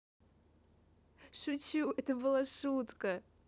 шучу это была шутка